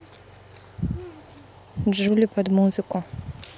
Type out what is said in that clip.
gulli под музыку